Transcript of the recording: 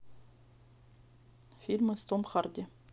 фильмы с том харди